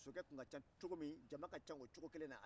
sokɛ tun ka ca cogo min jama ka ca o cogo kelen na